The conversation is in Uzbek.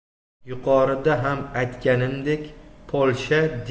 yuqorida ham aytganimdek polsha